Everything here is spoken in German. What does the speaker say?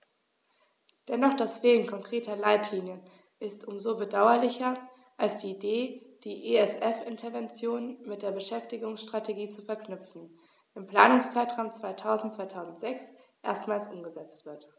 Doch das Fehlen konkreter Leitlinien ist um so bedauerlicher, als die Idee, die ESF-Interventionen mit der Beschäftigungsstrategie zu verknüpfen, im Planungszeitraum 2000-2006 erstmals umgesetzt wird.